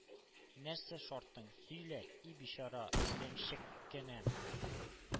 — нәрсә шартың, сөйлә, и бичара адәмчеккенәм?